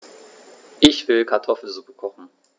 Ich will Kartoffelsuppe kochen.